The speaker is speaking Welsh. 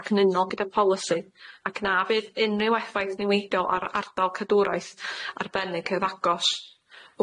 ac yn unol gyda polisi ac na fydd unrhyw effaith niweidiol ar ardal cadwraeth arbennig a'i ddangos.